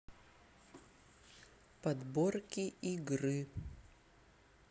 подборки игры